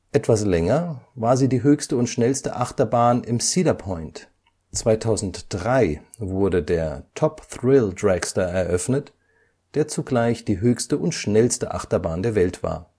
Etwas länger war sie die höchste und schnellste Achterbahn in Cedar Point: 2003 wurde der Top Thrill Dragster eröffnet, der zugleich die höchste und schnellste Achterbahn der Welt war